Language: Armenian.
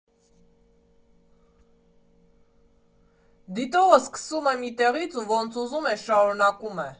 Դիտողը սկսում է մի տեղից ու ոնց ուզում է, շարունակում է։